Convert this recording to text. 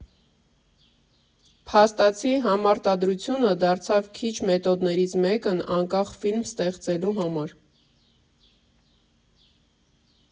Փաստացի, համարտադրությունը դարձավ քիչ մեթոդներից մեկն անկախ ֆիլմ ստեղծելու համար։